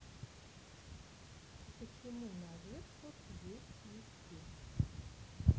почему на ветках есть виски